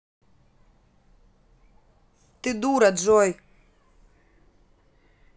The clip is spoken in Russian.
ты дура джой